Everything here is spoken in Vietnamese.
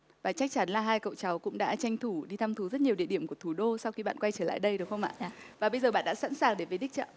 và chắc chắn là hai cậu cháu cũng đã tranh thủ đi thăm thú rất nhiều địa điểm của thủ đô sau khi bạn quay trở lại đây đúng không ạ và bây giờ bạn đã sẵn sàng để về đích chưa ạ